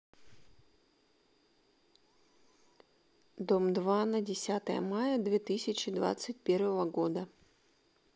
дом два на десятое мая две тысячи двадцать первого года